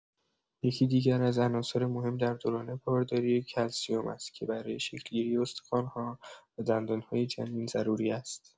یکی دیگر از عناصر مهم در دوران بارداری کلسیم است که برای شکل‌گیری استخوان‌ها و دندان‌های جنین ضروری است.